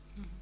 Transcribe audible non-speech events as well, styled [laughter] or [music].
[hesitation] [hesitation]